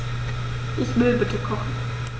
Ich will bitte kochen.